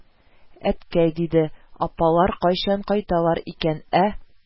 – әткәй, – диде, – апалар кайчан кайталар икән, ә